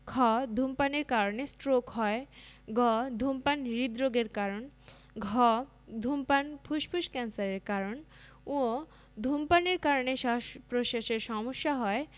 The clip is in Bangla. খ ধূমপানের কারণে ষ্ট্রোক হয় গ ধূমপান হৃদরোগের কারণ ঘ ধূমপান ফুসফুস ক্যান্সারের কারণ ঙ ধূমপানের কারণে শ্বাসপ্রশ্বাসের সমস্যা হয়